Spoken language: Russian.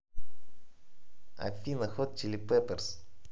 афина hot chili peppers